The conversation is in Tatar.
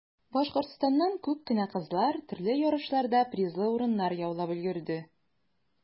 Башкортстаннан күп кенә кызлар төрле ярышларда призлы урыннар яулап өлгерде.